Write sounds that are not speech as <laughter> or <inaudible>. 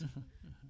<hesitation> <hesitation>